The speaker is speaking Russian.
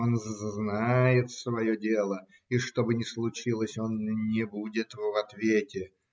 он знает свое дело, и, что бы ни случилось, он не будет в ответе.